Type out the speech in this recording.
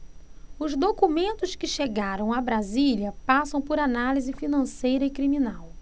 os documentos que chegaram a brasília passam por análise financeira e criminal